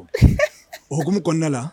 O hkumu kɔnɔnada la